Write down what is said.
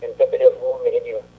min toɓɓeɗe foof mi heeɗima